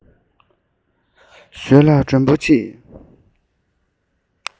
ཞོལ ལ མགྲོན པོ མ མཆིས